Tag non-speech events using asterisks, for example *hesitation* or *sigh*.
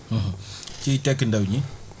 *hesitation* *hesitation* ci Tekki Ndaw ñi